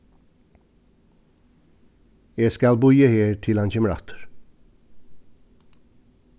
eg skal bíða her til hann kemur aftur